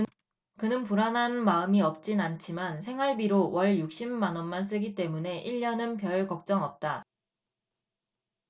그는 불안한 마음이 없진 않지만 생활비로 월 육십 만원만 쓰기 때문에 일 년은 별걱정 없다